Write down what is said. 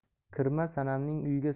kirma sanamning uyiga